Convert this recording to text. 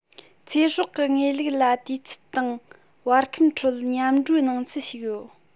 ཚེ སྲོག གི ངེས ལུགས ལ དུས ཚོད དང བར ཁམས ཁྲོད མཉམ འགྲོའི སྣང ཚུལ ཞིག ཡོད